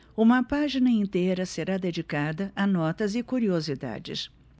uma página inteira será dedicada a notas e curiosidades